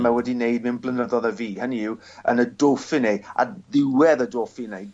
na ma' wedi neud mewn blynyddodd a fu. Hynny yw yn y Dauphiné ar ddiwedd y Dauphiné